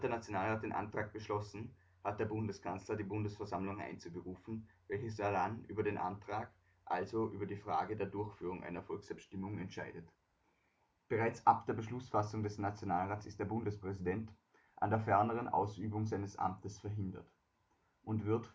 Nationalrat den Antrag beschlossen, hat der Bundeskanzler die Bundesversammlung einzuberufen, welche sodann über den Antrag (also über die Frage der Durchführung einer Volksabstimmung) entscheidet. Bereits ab der Beschlussfassung des Nationalrats ist der Bundespräsident „ an der ferneren Ausübung seines Amtes verhindert “und wird